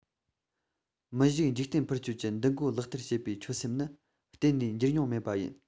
མི བཞུགས འཇིག རྟེན འཕུར སྐྱོད ཀྱི འདུ འགོད ལག བསྟར བྱེད པའི ཆོད སེམས ནི གཏན ནས འགྱུར མྱོང མེད པ ཡིན